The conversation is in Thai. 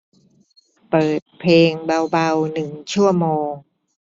เปิดเพลงเบาเบาหนึ่งชั่วโมง